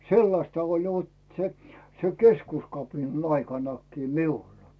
sellaista oli vot se se keskuskapinan aikanakin minulla